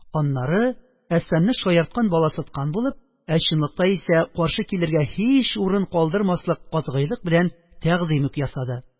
Аннары, Әсфанны шаярткан-баласыткан булып, ә чынлыкта исә каршы килергә һич урын калдырмаслык катгыйлык белән тәкъдим үк ясады: